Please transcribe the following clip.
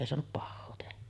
ei saanut pahaa tehdä